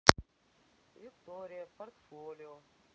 виктория портфолио